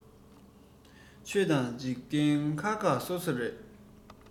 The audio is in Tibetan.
ཆོས དང འཇིག རྟེན ཁག ཁག སོ སོ རེད